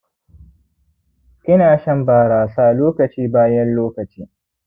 ina shan barasa lokaci-bayan-lokaci